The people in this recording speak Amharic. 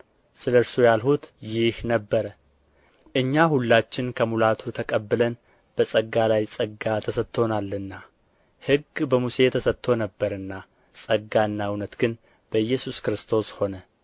ስለ እርሱ ያልሁት ይህ ነበረ እኛ ሁላችን ከሙላቱ ተቀብለን በጸጋ ላይ ጸጋ ተሰጥቶናልና ሕግ በሙሴ ተሰጥቶ ነበርና ጸጋና እውነት ግን በኢየሱስ ክርስቶስ ሆነ